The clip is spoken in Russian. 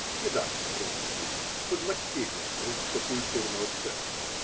кандидатом в русские, подмастерьем русско-культурного цеха.